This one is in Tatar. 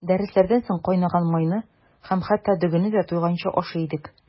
Дәресләрдән соң кайнаган майны һәм хәтта дөгене дә туйганчы ашый идек.